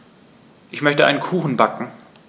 Ich möchte einen Kuchen backen.